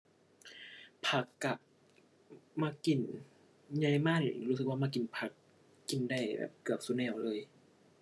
ผักก็มักกิน ใหญ่มานี่รู้สึกว่ามักกินผัก กินได้แบบเกือบซุแนวเลย